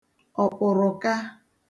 ọ̀kpụ̀rụ̀ka